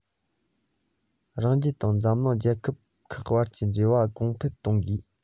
རང རྒྱལ དང འཛམ གླིང རྒྱལ ཁབ ཁག བར གྱི འབྲེལ བ གོང འཕེལ གཏོང དགོས